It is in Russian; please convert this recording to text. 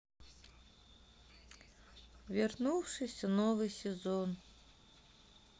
вернувшийся новый сезон